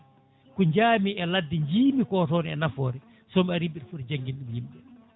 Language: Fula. ko jaami e ladde jiimi ko toon e nafoore somi ari mbaiɗa footi jangguinde ɗum yimɓe